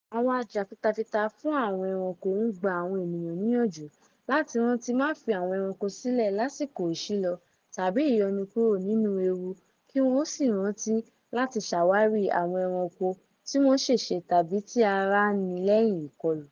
Àwọn ajàfitafita fún àwọn ẹranko ń gba àwọn ènìyàn níyànjú láti rántí má fi àwọn ẹranko sílẹ̀ lásìkò ìṣílọ tàbí ìyọnikúrò nínú ewu kí wọn ó sì rántí láti ṣàwárí àwọn ẹranko tí wọ́n ṣèṣe tàbí tí ara ń ni lẹ́yìn ìkọlù.